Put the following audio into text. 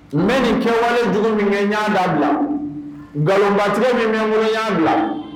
N bɛ nin kɛwale jugu min kɛ n y'a dabila nkalonbatigɛ min bɛ n bolo n y'a bila